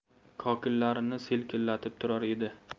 kokillarini selkillatib turar edi